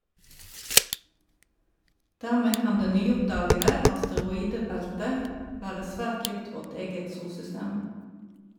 Dermed kan det nyoppdagede asteroidebelte være svært likt vårt eget solsystem.